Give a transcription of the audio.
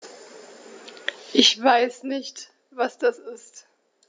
Ich weiß nicht, was das ist.